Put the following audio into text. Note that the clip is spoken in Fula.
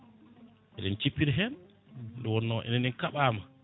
eɗen cippira hen nde wonno enen en kaɓama